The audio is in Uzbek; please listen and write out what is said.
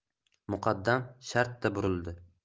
muqaddam shartta burildi